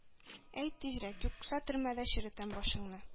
Йт тизрәк, юкса төрмәдә черетәм башыңны!